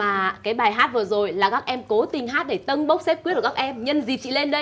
mà cái bài hát vừa rồi là các em cố tình hát để tâng bốc xếp quyết của các em nhân dịp chị lên đây